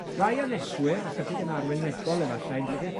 Rai aneswyr, ychydig yn arwynebol efallai, yn dod i'r